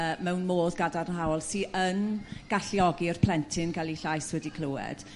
yrr mewn modd gadarnhaol sy yn galluogi'r plentyn ga'l 'i llais wedi clywed.